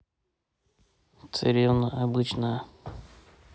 царевна обычная